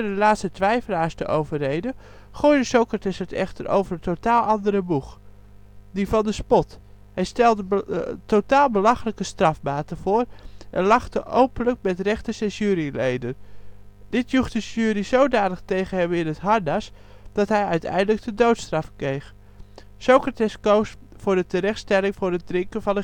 laatste twijfelaars te overreden, gooide Socrates het echter over een totaal andere boeg: die van de spot. Hij stelde totaal belachelijke strafmaten voor, en lachte openlijk met rechters en juryleden. Dit joeg de jury zodanig tegen hem in het harnas, dat hij uiteindelijk de doodstraf kreeg. Socrates koos voor de terechtstelling voor het drinken van